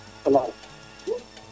alo